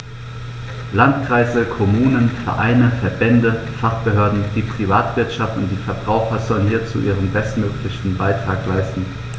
Landkreise, Kommunen, Vereine, Verbände, Fachbehörden, die Privatwirtschaft und die Verbraucher sollen hierzu ihren bestmöglichen Beitrag leisten.